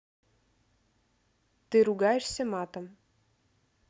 ты ругаешься матом